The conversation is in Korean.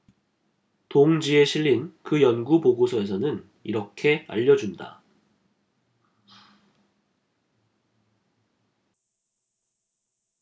동 지에 실린 그 연구 보고서에서는 이렇게 알려 준다